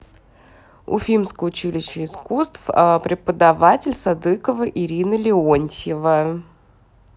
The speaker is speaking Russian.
уфимское училище искусств преподаватель садыкова ирина леонтьева